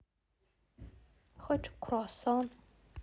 хочу круасан